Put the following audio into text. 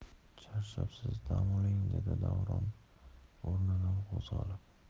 charchabsiz dam oling dedi davron o'rnidan qo'zg'alib